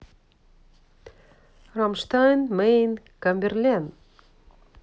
rammstein mein камберлен